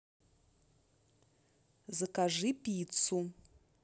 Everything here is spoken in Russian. закажи пиццу